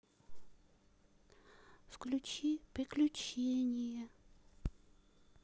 включи приключения